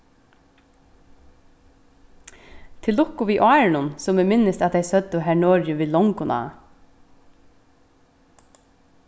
til lukku við árunum sum eg minnist at tey søgdu har norðuri við longum a